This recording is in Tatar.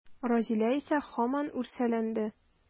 Рәзилә исә һаман үрсәләнде.